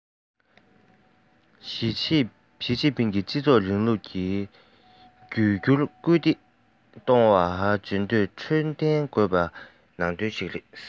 ཞིས ཅིན ཕིང གིས སྤྱི ཚོགས རིང ལུགས ཀྱི འགྱུར རྒྱུར སྐུལ འདེད གཏོང བའི བརྗོད དོན ཁྲོད ལྡན དགོས པའི ནང དོན ཞིག རེད